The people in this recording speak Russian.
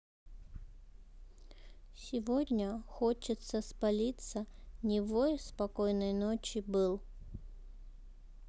сегодня хочется спалиться невой спокойной ночи был